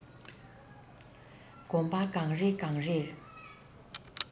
གོམ པ གང རེ གང རེས